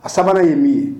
A sabanan ye min ye